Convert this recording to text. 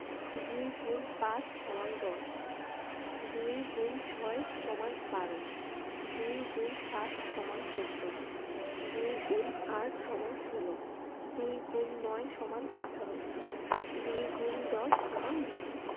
২ X ৫ = ১০ ২ X ৬ = ১২ ২ X ৭ = ১৪ ২ X ৮ = ১৬ ২ X ৯ = ১৮ ২ ×১০ = ২০